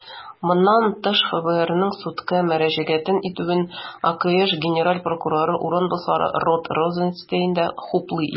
Моннан тыш, ФБРның судка мөрәҗәгать итүен АКШ генераль прокуроры урынбасары Род Розенстейн да хуплый иде.